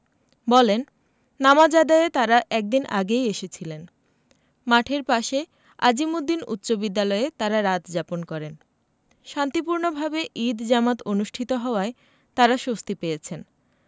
বলেন নামাজ আদায়ে তাঁরা এক দিন আগেই এসেছিলেন মাঠের পাশে আজিমুদ্দিন উচ্চবিদ্যালয়ে তাঁরা রাত যাপন করেন শান্তিপূর্ণভাবে ঈদ জামাত অনুষ্ঠিত হওয়ায় তাঁরা স্বস্তি পেয়েছেন